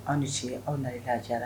Anw ni ce aw na ka jarayara